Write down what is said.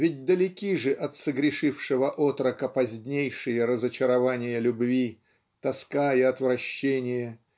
Ведь далеки же от согрешившего отрока позднейшие разочарования любви тоска и отвращение